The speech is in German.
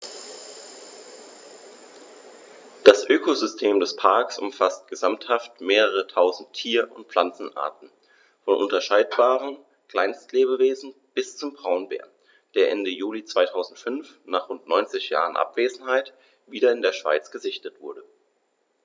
Das Ökosystem des Parks umfasst gesamthaft mehrere tausend Tier- und Pflanzenarten, von unscheinbaren Kleinstlebewesen bis zum Braunbär, der Ende Juli 2005, nach rund 90 Jahren Abwesenheit, wieder in der Schweiz gesichtet wurde.